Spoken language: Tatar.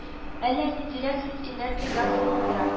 Әллә ниндирәк сез инертный газ сыманрак